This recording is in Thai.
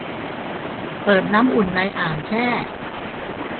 เปิดน้ำอุ่นในอ่างแช่